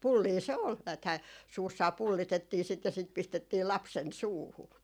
pullia se oli näethän suussaan pullitettiin sitä ja sitä pistettiin lapsen suuhun